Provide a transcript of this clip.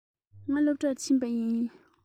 ང སློབ གྲྭར ཕྱིན པ ཡིན